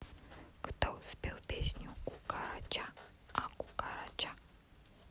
кто спел песню кукарача а кукарача